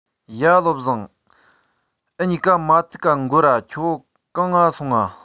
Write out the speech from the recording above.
ཡ བློ བཟང འུ གཉིས ཀ མ ཐུག ག འགོར ར ཁྱོད གང ང སོང ང